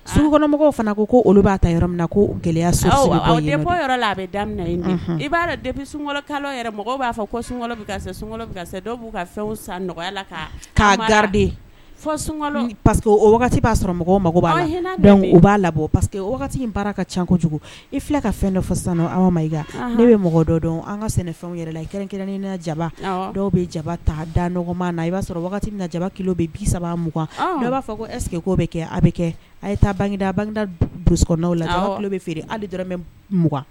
Sunkɔnɔmɔgɔ fana ko olu'a ta yɔrɔ min na ko gɛlɛyaya sa yɔrɔ la a bɛ daminɛ na i b'a de sun mɔgɔ b'a fɔ sun fɛn san nɔgɔya la' ga sun o b'a sɔrɔ mɔgɔw u b'abɔ parce que baara ka ca kojugu i ka fɛn dɔ ma i ne bɛ mɔgɔ dɔ dɔn an ka sɛnɛ fɛnw yɛrɛ la i kɛ n kɛ ne jaba dɔw bɛ jaba ta dama na i b'a sɔrɔ wagati min na jaba kilo bɛ bi saba mugan a b'a fɔ ko ɛseke bɛ kɛ a bɛ kɛ ye taa bangeda a bangeda bukw la a bɛ feere dɔrɔnmɛugan